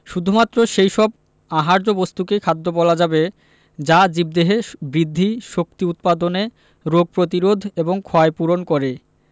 শুধুমাত্র সেই সব আহার্য বস্তুকেই খাদ্য বলা যাবে যা জীবদেহে বৃদ্ধি শক্তি উৎপাদন রোগ প্রতিরোধ এবং ক্ষয়পূরণ করে